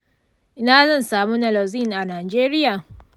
ina zan samu naloxone a najeriya?